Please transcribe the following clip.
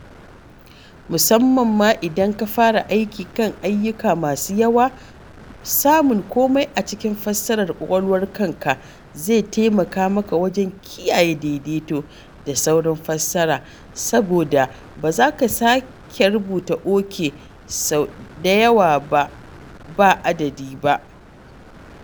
Musamman ma idan ka fara aiki kan ayyuka masu yawa, samun komai a cikin fassarar ƙwaƙwalwar kanka zai taimaka maka wajen kiyaye daidaito da saurin fassara, saboda ba zaka yi ya sake rubuta “OK” sau da yawa ba adadi ba.